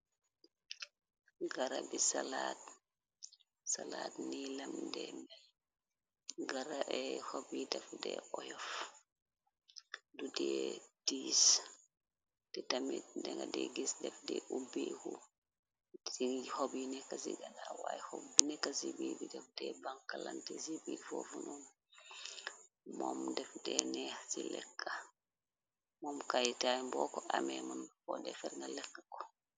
gara bi atsalaat ni lam deme garaey xoby def de oyof dutee 1iis te tamit denga de gis defde ubbiku c xobyi nekk ci ganawaay xob bi nekk ci bi bi defte bankalante ci bi fofunum mo defte neex ci emoom kaytaay booko amee mën foo dexeer nga lekk ko